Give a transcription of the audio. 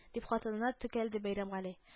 — дип, хатынына текәлде бәйрәмгали